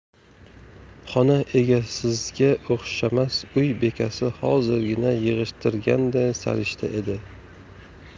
xona egasizga o'xshamas uy bekasi hozirgina yig'ishtirganday sarishta edi